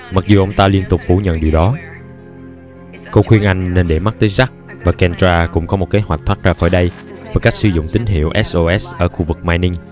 mặc dù ông ta liên tục phủ nhận điều đó cô khuyên anh nên để mắt tới zack và kendra cũng có một kế hoạch thoát ra khỏi đây bằng cách sử dụng tín hiệu sos ở khu vực mining